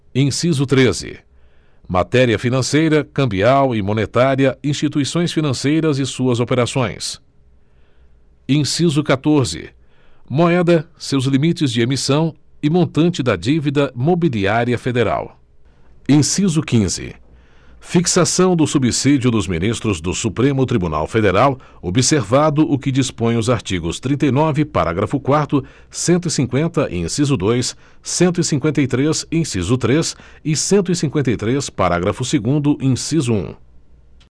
inciso treze matéria financeira cambial e monetária instituições financeiras e suas operações inciso catorze moeda seus limites de emissão e montante da dívida mobiliária federal inciso quinze fixação do subsídio dos ministros do supremo tribunal federal observado o que dispõem os artigos trinta e nove parágrafo quarto cento e cinquenta inciso dois cento e cinquenta e três inciso três e cento e cinquenta e três parágrafo segundo inciso um